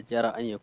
A diyara an ye